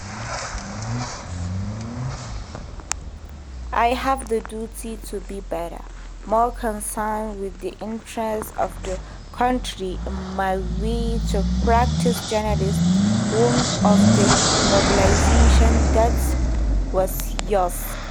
I have the duty to be better, more concerned with the interests of the community in my way of practicing journalism, worthy of the mobilization that was yours.